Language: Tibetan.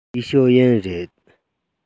ལིའི ཞའོ ཡན རེད